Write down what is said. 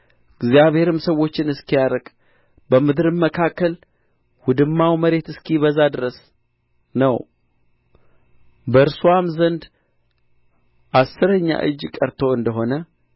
እግዚአብሔርም ሰዎችን እስኪያርቅ በምድርም መካከል ውድማው መሬት እስኪበዛ ድረስ ነው በእርስዋም ዘንድ አሥረኛ እጅ ቀርቶ እንደ ሆነ